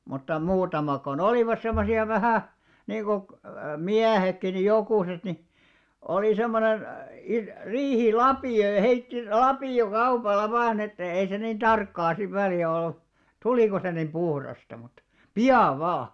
mutta muutamat kun olivat semmoisia vähän niin kuin miehetkin niin jokuset niin oli semmoinen - riihilapio ja heitti lapiokaupalla vain että ei se niin tarkkaa sitten välillä ollut tuliko se niin puhdasta mutta pian vain